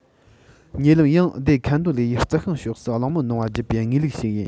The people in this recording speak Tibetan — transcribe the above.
ཉེ ལམ ཡང སྡེ ཁན རྡོ ལེ ཡིས རྩི ཤིང ཕྱོགས སུ གླེང མོལ གནང བ བརྒྱུད པའི ངེས ལུགས ཤིག ཡིན